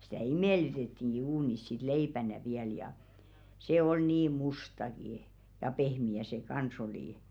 sitä imellytettiinkin uunissa sitten leipänä vielä ja se oli niin mustakin ja pehmeä se kanssa oli